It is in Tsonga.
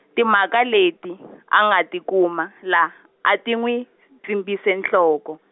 timhaka leti, a nga ti kuma, la, a ti n'wi, pfimbise nhloko.